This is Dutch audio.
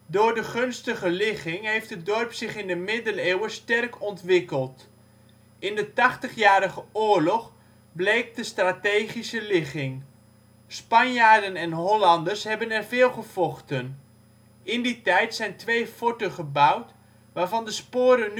Door de gunstige ligging heeft het dorp zich in de middeleeuwen sterk ontwikkeld. In de Tachtigjarige Oorlog bleek de strategische ligging. Spanjaarden en Hollanders hebben er veel gevochten. In die tijd zijn twee forten gebouwd waarvan de sporen